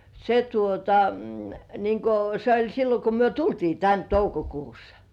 se tuota niin kuin se oli silloin kun me tultiin tänne toukokuussa